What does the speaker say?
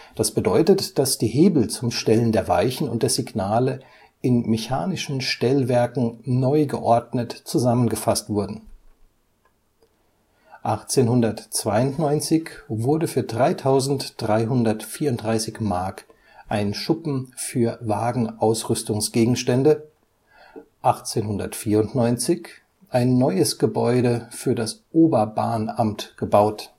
das bedeutet, dass die Hebel zum Stellen der Weichen und der Signale in mechanischen Stellwerken neu geordnet zusammengefasst wurden. 1892 wurde für 3334 Mark ein Schuppen für Wagenausrüstungsgegenstände, 1894 ein neues Gebäude für das Oberbahnamt gebaut